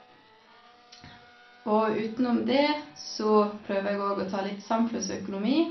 Og utenom dét, så prøver jeg óg å ta litt samfunnsøkonomi.